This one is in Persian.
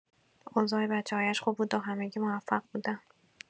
اوضاع بچه‌هایش خوب بود و همگی موفق بودند.